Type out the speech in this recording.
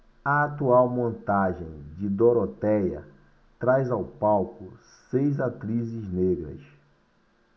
a atual montagem de dorotéia traz ao palco seis atrizes negras